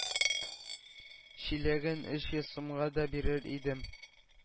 Чиләген өч йөз сумга да бирер идем